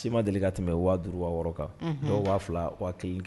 Si ma deli tun bɛ waduba yɔrɔ kan u waa fila wa